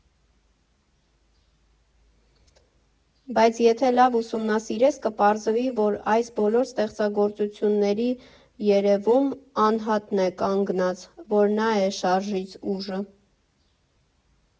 Բայց եթե լավ ուսումնասիրես, կպարզվի, որ այս բոլոր ստեղծագործությունների երևում անհատն է կանգնած, որ նա է շարժիչ ուժը։